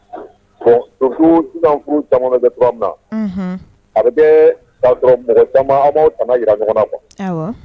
Caman bɛ tuma min an b' tama jirara ɲɔgɔn ma